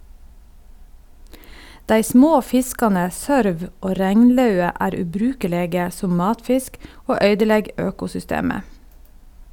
Dei små fiskane sørv og regnlaue er ubrukelege som matfisk og øydelegg økosystemet.